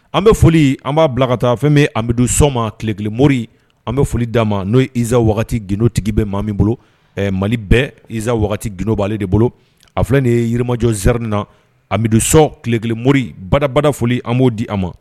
An bɛ foli an b'a bila ka taa fɛn bɛ bɛ don soma tilelekilemo an bɛ foli d'a ma n'ozsaa wagati gdotigi bɛ maa min bolo ɛɛ mali bɛɛza wagati g b'ale de bolo a filɛ nin ye yirimajɔ ziarini na amibidu sɔnlelemo badabada foli an b'o di a ma